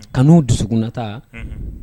Kanu dusukunnata unhun